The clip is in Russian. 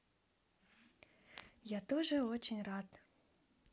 я тоже очень рад